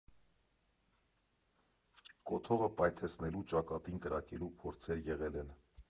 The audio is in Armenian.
Կոթողը պայթեցնելու, ճակատին կրակելու փորձեր եղել են։